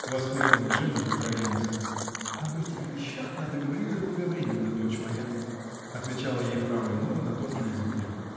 -- воскликнула Джемма по-итальянски -- Об этих вещах надо говорить заблаговременно, дочь моя, -- отвечала ей фрау Леноре на том же языке.